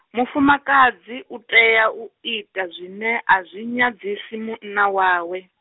mufumakadzi utea u ita zwine azwi nyadzisi munna wawe.